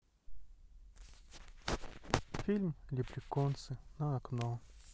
фильм леприконсы на окко